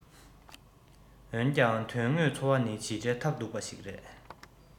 འོན ཀྱང དོན དངོས འཚོ བ ནི ཇི འདྲའི ཐབས སྡུག པ ཞིག རེད